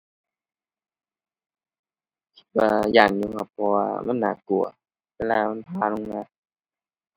ก็ย้านอยู่ครับ เพราะว่ามันน่ากลัวเวลามันผ่าลงมา